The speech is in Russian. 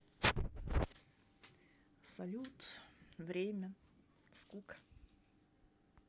салют время скука